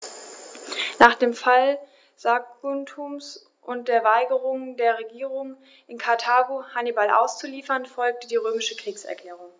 Nach dem Fall Saguntums und der Weigerung der Regierung in Karthago, Hannibal auszuliefern, folgte die römische Kriegserklärung.